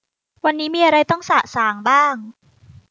วันนี้มีอะไรต้องสะสางบ้าง